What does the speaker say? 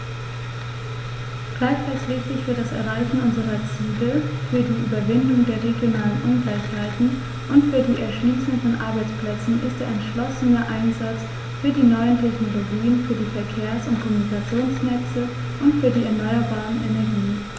Gleichfalls wichtig für das Erreichen unserer Ziele, für die Überwindung der regionalen Ungleichheiten und für die Erschließung von Arbeitsplätzen ist der entschlossene Einsatz für die neuen Technologien, für die Verkehrs- und Kommunikationsnetze und für die erneuerbaren Energien.